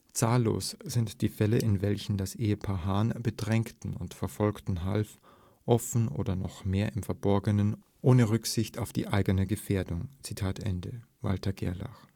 Zahllos sind die Fälle, in welchen das Ehepaar Hahn Bedrängten und Verfolgten half, offen und noch mehr im verborgenen, ohne Rücksicht auf die eigene Gefährdung. “– Walther Gerlach